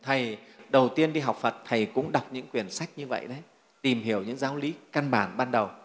thầy đầu tiên đi học phật thầy cũng đọc những quyển sách như vậy đấy tìm hiểu những giáo lý căn bản ban đầu